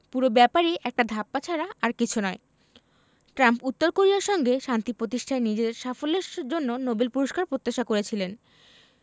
পুরো ব্যাপারই একটা ধাপ্পা ছাড়া আর কিছু নয় ট্রাম্প উত্তর কোরিয়ার সঙ্গে শান্তি প্রতিষ্ঠায় নিজের সাফল্যের জন্য নোবেল পুরস্কার প্রত্যাশা করেছিলেন